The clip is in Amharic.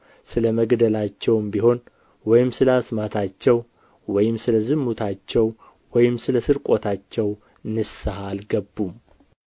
ስለ መግደላቸውም ቢሆን ወይም ስለ አስማታቸው ወይም ስለ ዝሙታቸው ወይም ስለ ስርቆታቸው ንስሐ አልገቡም